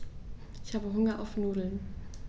Ich habe Hunger auf Nudeln.